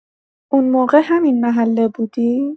اون موقع همین محله بودی؟